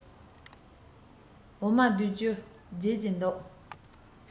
འོ མ ལྡུད རྒྱུ རྗེད ཀྱིན འདུག